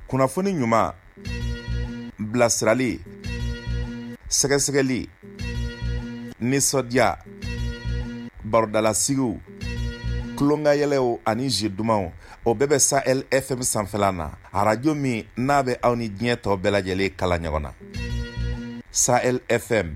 Kunnafoni ɲuman bilasirali sɛgɛsɛgɛli nisɔndiya barodalasigi tulonkanyw ani z dumanumaw o bɛɛ bɛ sa e fɛn sanfɛ na ara arajo min n'a bɛ aw ni diɲɛ tɔ bɛɛ lajɛlen kala ɲɔgɔn na sa e fɛ